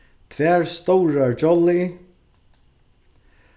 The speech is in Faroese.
tvær stórar jolly